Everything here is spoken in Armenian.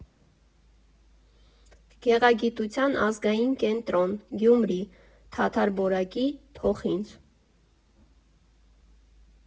Գեղագիտության ազգային կենտրոն, Գյումրի թաթար բորակի, փոխինձ։